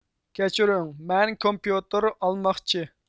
كەچۈرۈڭ مەن كومپىيوتىر ئالماقچى